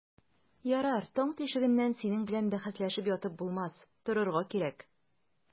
Ярар, таң тишегеннән синең белән бәхәсләшеп ятып булмас, торырга кирәк.